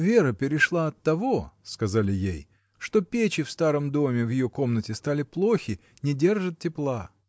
— Вера перешла оттого, — сказали ей, — что печи в старом доме, в ее комнате, стали плохи, не держат тепла.